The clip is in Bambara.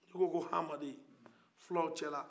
n'i ko ko hamadi fulaw cɛla